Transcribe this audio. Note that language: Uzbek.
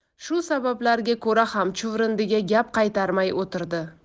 shu sabablarga ko'ra ham chuvrindiga gap qaytarmay o'tirdi